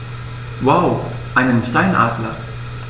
Wow! Einen Steinadler?